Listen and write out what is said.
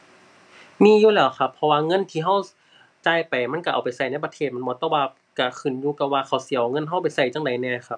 มีอยู่แล้วครับ เพราะว่าเงินที่เรา จ่ายไปมันเราเอาไปเราในประเทศแม่นบ่ แต่ว่าเราขึ้นอยู่กับว่าเขาสิเอาเงินเราไปเราจั่งใดแหน่ครับ